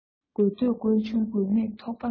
དགོས འདོད ཀུན འབྱུང དགོས མིར ཐོགས པ མེད